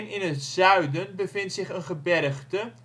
in het zuiden bevindt zich een gebergte